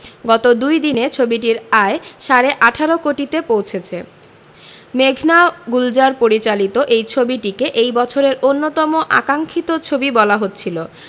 গত দুই দিনে ছবিটির আয় সাড়ে ১৮ কোটিতে পৌঁছেছে মেঘনা গুলজার পরিচালিত এই ছবিটিকে এই বছরের অন্যতম আকাঙ্খিত ছবি বলা হচ্ছিল